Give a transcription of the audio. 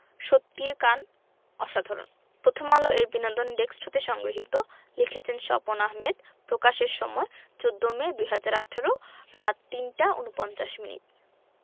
সত্যিই কান অসাধারণ প্রথমআলো এর বিনোদন ডেস্ক হতে সংগৃহীত লিখেছেনঃ স্বপন আহমেদ প্রকাশের সময় ১৪মে ২০১৮ রাত ৩টা ৪৯ মিনিট